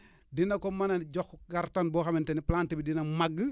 dina ko mën a jox kattan boo xamante ne plante bi dina màgg